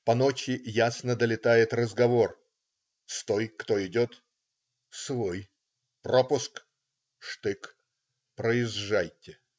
По ночи ясно долетает разговор: "Стой! кто идет?" - "Свой". - "Пропуск?" - "Штык". - "Проезжайте".